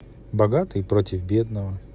богатый против бедного